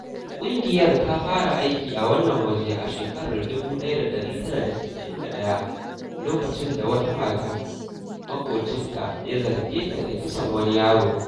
ƙungiyar ta fara aiki a wannan waje a shekarar 1991 lokacin da wata mata maƙocinta ya zarge ta da kisan wani yaro.